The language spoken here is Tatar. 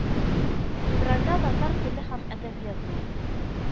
Февральдә татар теле һәм әдәбияты